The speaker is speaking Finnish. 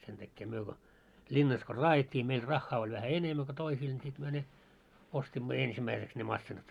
sen tähden me kun linnassa kun raadettiin meillä rahaa oli vähän enemmän kuin toisilla niin sitten me ne ostimme ensimmäiseksi ne masiinat